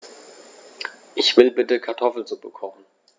Ich will bitte Kartoffelsuppe kochen.